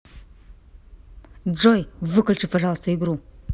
джой выключи пожалуйста игру